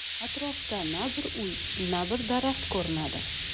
atrofda na bir uy na bir daraxt ko'rinadi